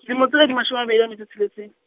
di motolo di mashome a mabedi metso e tsheletseng.